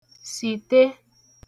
sìte